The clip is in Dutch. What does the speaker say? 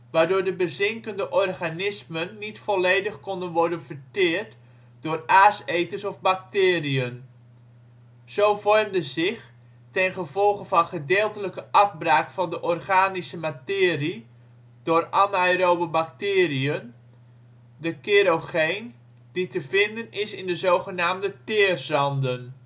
waardoor de bezinkende organismen niet volledig konden worden verteerd door aaseters of bacteriën. Zo vormde zich, ten gevolge van gedeeltelijke afbraak van de organische materie door anaerobe bacteriën, de kerogeen, die te vinden is in de zogenaamde teerzanden